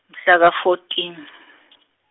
mhlaka fourteen .